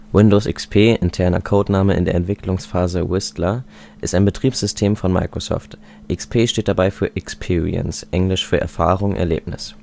Windows XP (interner Codename in der Entwicklungsphase: Whistler) ist ein Betriebssystem von Microsoft. XP steht dabei für „ eXPerience “(engl. für Erfahrung, Erlebnis